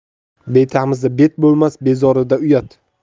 betamizda bet bo'lmas bezorida uyat